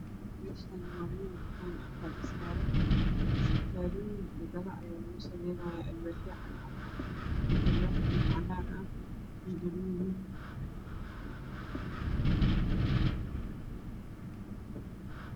Meeshaani waa meel dukaan ah ladhisaayo iska faalooyin iyo dhalo ayaa lagu sameynaaya alwaaxyo cadcad ah iyo alwaax cagaar ah iyo dhalooyin